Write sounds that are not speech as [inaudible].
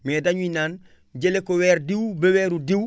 mais dañuy naan [inhales] jëlee ko weer diw ba weeru diw